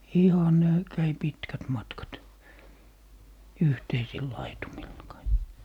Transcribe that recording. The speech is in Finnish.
ihan ne kävi pitkät matkat yhteisillä laitumilla kaikki